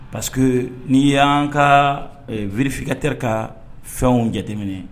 Parce que ni y' ka vfkatɛ ka fɛnw jateminɛ